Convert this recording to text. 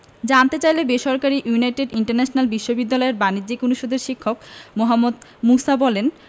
জানতে চাইলে বেসরকারি ইউনাইটেড ইন্টারন্যাশনাল বিশ্ববিদ্যালয়ের বাণিজ্য অনুষদের শিক্ষক মোহাম্মদ মুসা বলেন